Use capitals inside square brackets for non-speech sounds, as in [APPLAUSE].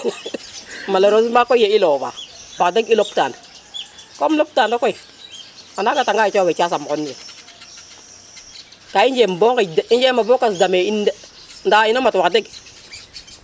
[LAUGHS] malheureusement koy ye i lofa wax deg i lep taan comme loptano koy a nanga ta feca o feca yasam xon fe ka i njeem bo ŋij de i njema bo kasdame in de nda ino mat wax deg